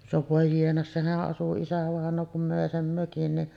no voi jiena sehän asui isävainaja kun möi sen mökin niin